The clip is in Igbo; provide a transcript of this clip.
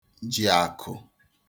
ji àkụ̀